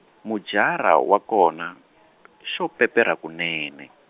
mejara wa kona , xo peperha kunene.